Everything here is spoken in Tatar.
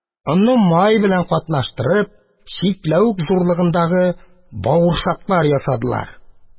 Онны май белән катнаштырып, чикләвек зурлыгындагы бавырсаклар ясадылар